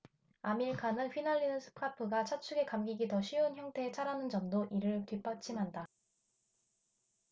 아밀카는 휘날리는 스카프가 차축에 감기기 더 쉬운 형태의 차라는 점도 이를 뒷받침한다